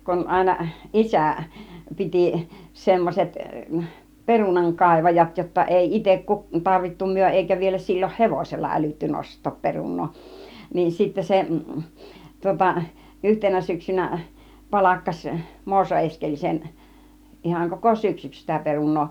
kun aina isä piti semmoiset perunankaivajat jotta ei itse - tarvittu me eikä vielä silloin hevosella älytty nostaa perunaa niin sitten se tuota yhtenä syksynä palkkasi Muoso Eskelisen ihan koko syksyksi sitä perunaa